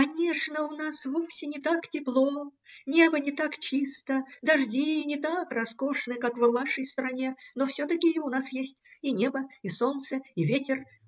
– Конечно, у нас вовсе не так тепло, небо не так чисто, дожди не так роскошны, как в вашей стране, но все-таки и у нас есть и небо, и солнце, и ветер.